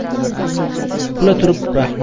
kula turib raxmat